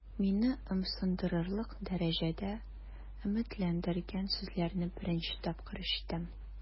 Мине ымсындырырлык дәрәҗәдә өметләндергән сүзләрне беренче тапкыр ишетәм.